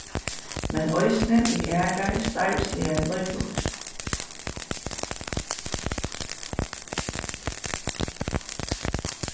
men eisini í aðrar starvsligar leiklutir